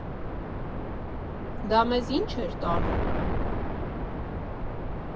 Դա մեզ ի՞նչ էր տալու։